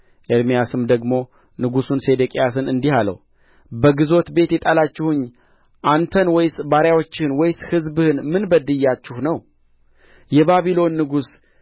ኤርምያስም ደግሞ ንጉሡን ሴዴቅያስን እንዲህ አለው በግዞት ቤት የጣላችሁኝ አንተን ወይስ ባሪያዎችህን ወይስ ሕዝብህን ምን በድያችሁ ነው የባቢሎን ንጉሥ